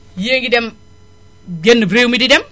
yii a ngi dem génn réew mi di dem